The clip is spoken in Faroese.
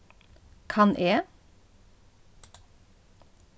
kann eg